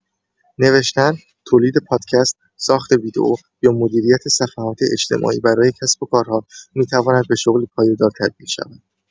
نوشتن، تولید پادکست، ساخت ویدیو یا مدیریت صفحات اجتماعی برای کسب‌وکارها می‌تواند به شغلی پایدار تبدیل شود.